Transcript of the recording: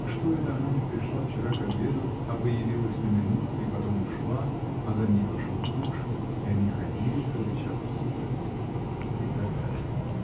что это она не пришла вчера к обеду, а появилась на минуту и потом ушла, а за ней пошел Тушин, и они ходили целый час в сумерки?. И так далее.